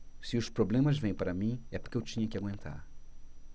se os problemas vêm para mim é porque eu tinha que aguentar